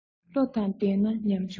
བློ དང ལྡན ན ཉམ ཆུང ཡང